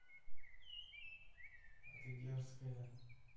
а ты дерзкая